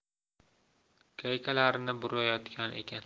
gaykalarini burayotgan ekan